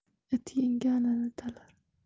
it yengganini talar